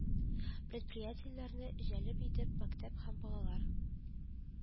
Предприятиеләрне җәлеп итеп мәктәп һәм балалар